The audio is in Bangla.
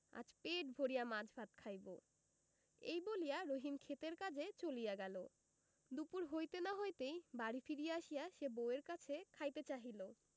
আজ পেট ভরিয়া মাছ ভাত খাইব এই বলিয়া রহিম ক্ষেতের কাজে চলিয়া গেল দুপুর হইতে না হইতেই বাড়ি ফিরিয়া আসিয়া সে বউ এর কাছে খাইতে চাহিল